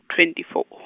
twenty four .